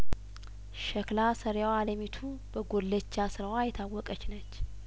ሸክላ ሰሪዋ አለሚቱ በጉልቻ ስራዋ የታወቀች ነች